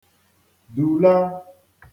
dùla